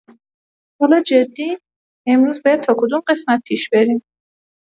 حالا جدی، امروز باید تا کدوم قسمت پیش بریم؟